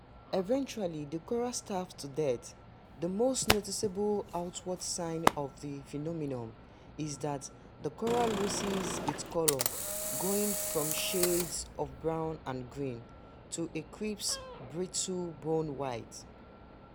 Eventually, the coral starves to death; the most noticeable outward sign of this phenomenon is that the coral loses its colour, going from shades of brown and green to a crisp, brittle, bone white.